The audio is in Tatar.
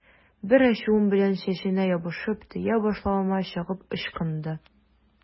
Бар ачуым белән чәченә ябышып, төя башлавыма чыгып ычкынды.